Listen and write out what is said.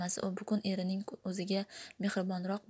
u bugun erining o'ziga mehribonroq